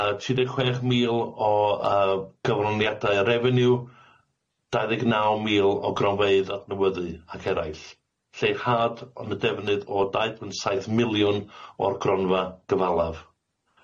Yy tri deg chwech mil o yy gyfloniadau a revenue, dau ddeg naw mil o gronfeydd adnewyddu ac eraill, lleir had yn y defnydd o dau punt saith miliwn o'r gronfa gyfalaf.